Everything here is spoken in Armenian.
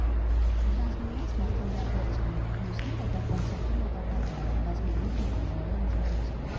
Դրանց մի մասն արդեն իրագործվում է, մյուսները դեռ կոնցեպտի մակարդակում են, բայց միևնույն է՝ արժանի են ուշադրության։